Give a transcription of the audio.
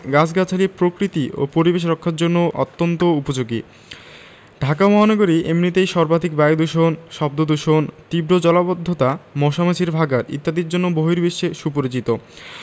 গাছগাছালি প্রকৃতি ও পরিবেশ রক্ষার জন্যও অত্যন্ত উপযোগী ঢাকা মহানগরী এমনিতেই সর্বাধিক বায়ুদূষণ শব্দদূষণ তীব্র জলাবদ্ধতা মশা মাছির ভাঁগাড় ইত্যাদির জন্য বহির্বিশ্বে সুপরিচিত